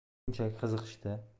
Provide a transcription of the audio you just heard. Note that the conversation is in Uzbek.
shunchaki qiziqishda